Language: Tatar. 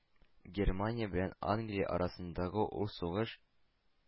Германия белән Англия арасындагы ул сугыш